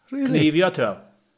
Rili?... Cneifio, ti weld.